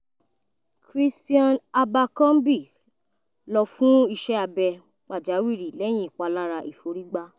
Christion Abercrombie lọ fún Iṣẹ́ Abẹ Pàjáwìrì Lẹ̀yìn Ìpalára Ìforígbà